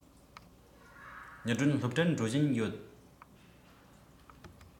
ཉི སྒྲོན སློབ གྲྭར འགྲོ བཞིན ཡོད